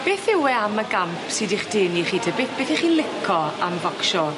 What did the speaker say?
Beth yw e am y gamp sy 'di'ch denu chi te beth beth y'ch chi'n lico am focsio?